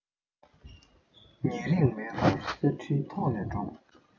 ཉེ རིང མེད པར གསེར ཁྲིའི ཐོག ནས དྲོངས